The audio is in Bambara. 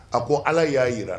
A ko ala y'a jira